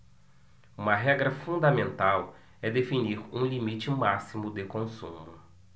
uma regra fundamental é definir um limite máximo de consumo